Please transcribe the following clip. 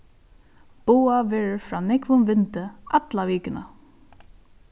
boðað verður frá nógvum vindi alla vikuna